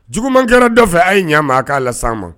Juguman kɛra da fɛ a ye ɲɛ an ma a ka lasa n ma.